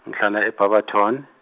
ngihlala e- Barberton.